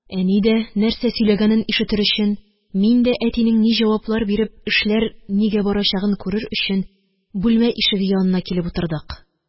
Әни дә нәрсә сөйләгәнен ишетер өчен, мин дә әтинең ни җаваплар биреп, эшләр нигә барачагын күрер өчен, бүлмә ишеге янына килеп утырдык